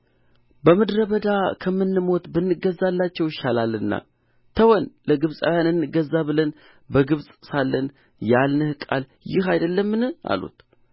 በምድረ በዳ ከምንሞት ብንገዛላቸው ይሻላልና ተወን ለግብፃውያን እንገዛ ብለን በግብፅ ሳለን ያልንህ ቃል ይህ አይደለምን አሉት